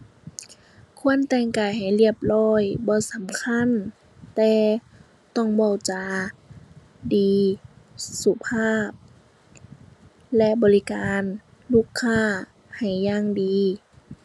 ควรแต่งกายให้เรียบร้อยบ่สำคัญ แต่ต้องเว้าจาดี สุภาพ และบริการลูกค้าให้อย่างดี